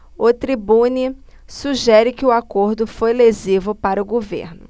o tribune sugere que o acordo foi lesivo para o governo